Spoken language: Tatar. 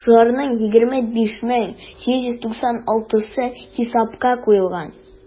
Шуларның 25 мең 896-сы хисапка куелган.